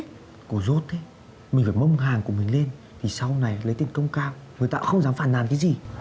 cô dốt thế mình phải mông hàng của mình lên thì sau này lấy tiền công cao người ta không dám phàn nàn cái gì